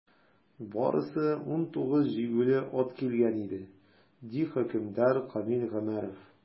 Барысы 19 җигүле ат килгән иде, - ди хөкемдар Камил Гомәров.